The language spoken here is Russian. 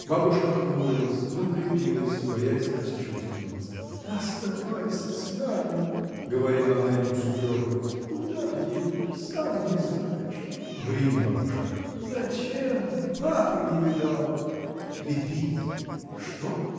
Бабушка хмурилась, но крепилась, боясь расчувствоваться. — Оставайся с нами! — говорила она ему с упреком. — Куда едешь? сам не знаешь. — В Рим, бабушка. — Зачем? Папы не видал? — Лепить. — Что?